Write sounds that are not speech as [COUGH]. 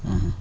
[HESITATION] [HESITATION]